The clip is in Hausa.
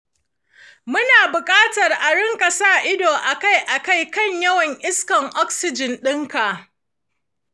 muna buƙatar a rika sa ido akai-akai kan yawan iskar oxygen ɗinka.